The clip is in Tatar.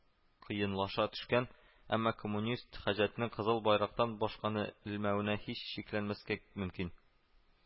Кыенлаша төшкән, әмма камунист хаҗәтнең кызыл байрактан башканы элмәвенә һич шикләнмәскә мөмкин